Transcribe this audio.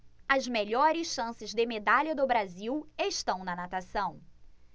as melhores chances de medalha do brasil estão na natação